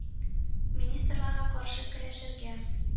Министрларга каршы көрәшергә,